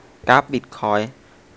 กราฟบิทคอยน์